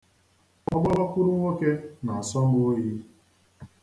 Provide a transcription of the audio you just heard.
Ọgbakụrụnwokē na-asọ m oyi.